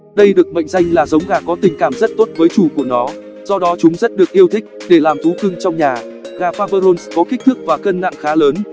đây được mệnh danh là giống gà có tình cảm rất tốt với chủ của nó do đó chúng rất được yêu thích để làm thú cưng trong nhà gà faverolles có kích thước và cân nặng khá lớn